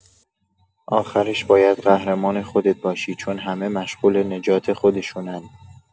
آخرش بایدقهرمان خودت باشی؛ چون همه مشغول نجات خودشونن!